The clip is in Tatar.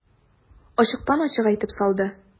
Ачыктан-ачык әйтеп салды.